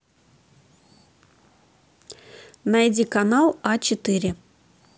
найди канал а четыре